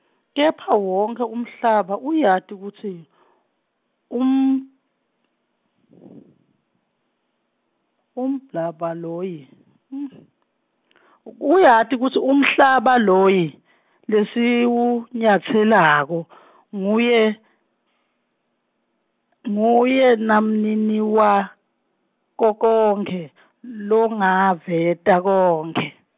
kepha wonkhe umhlaba uyati kutsi, um- , umhlaba loyi, , uyati kutsi umhlaba loyi, lesiwunyatselako nguye , nguyenamniniwakokonkhe longaveta konkhe.